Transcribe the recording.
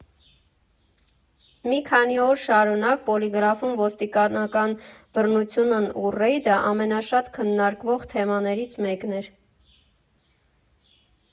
Մի քանի օր շարունակ Պոլիգրաֆում ոստիկանական բռնությունն ու ռեյդը ամենաշատ քննարկվող թեմաներից մեկն էր։